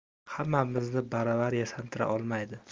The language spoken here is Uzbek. hammamizni baravar yasantira olmaydi